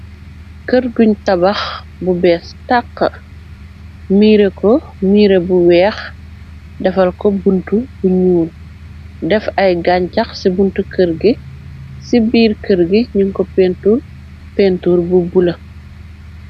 Kër guñ tabax bu bees taq, mire ko miire bu weex, defal ko bunt bu ñjull, def ay gañ jak ci buntu kër gi, ci biir kër gi ñun ko pentur pentur bu buleu.